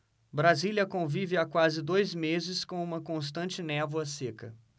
brasília convive há quase dois meses com uma constante névoa seca